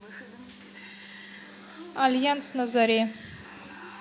альянс на заре